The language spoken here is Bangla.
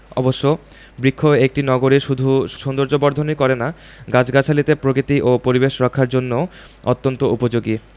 অবশ্য বৃক্ষ একটি নগরীর শুধু সৌন্দর্যবর্ধনই করে না গাছগাছালি প্রকৃতি ও পরিবেশ রক্ষার জন্যও অত্যন্ত উপযোগী